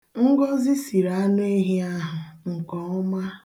Ngọzị siri anụehi ahụ nkeọma.